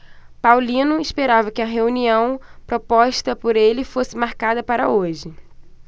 paulino esperava que a reunião proposta por ele fosse marcada para hoje